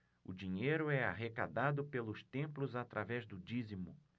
o dinheiro é arrecadado pelos templos através do dízimo